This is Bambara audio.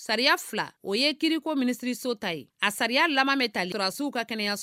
Sariya fila o ye kiiriko minisiririso ta ye a sariyalama bɛ tarasiw u ka kɛnɛyaso